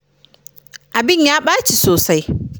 Abin Ya Ɓaci Sosai.